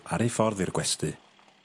...ar eu ffordd i'r gwesty.